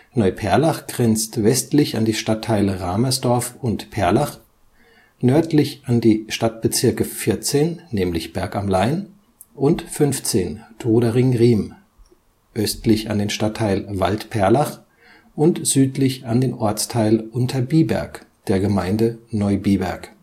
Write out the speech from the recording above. Neuperlach grenzt westlich an die Stadtteile Ramersdorf und Perlach, nördlich an die Stadtbezirke 14 (Berg am Laim) und 15 (Trudering-Riem), östlich an den Stadtteil Waldperlach und südlich an den Ortsteil Unterbiberg der Gemeinde Neubiberg